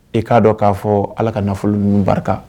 E k'a dɔn k'a fɔ ala ka nafolo n ninnu barika